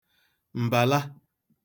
m̀bàla